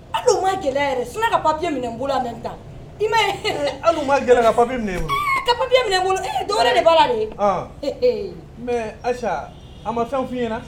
Hali ma gɛlɛya sun ka papiya minɛ n bolo i ma gɛlɛn ka papibi ka papiya minɛ bolo de b' la de ayisa a ma fɛn f ɲɛna